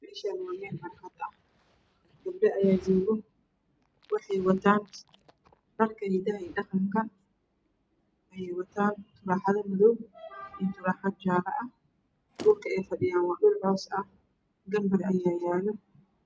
Meeshaani waa meel barxad ah gabdho ayaa joogo waxay wataan dharka hidaha iyo dhaqanka ayeey wataan taraaxado madoow taraaxad jaala ah dhulka ey fadhiyaan waa dhul coos ah ganbar ayaa yaalo